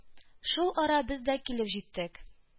Шул ара без дә килеп җиттек.